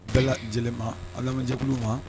Bɛɛ lajɛlen ma alajɛkulu ma